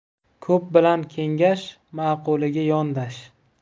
ko'p bilan kengash ma'quliga yondash